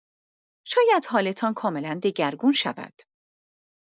شاید حالتان کاملا دگرگون شود.